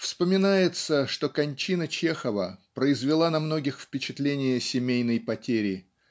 Вспоминается что кончина Чехова произвела на многих впечатление семейной потери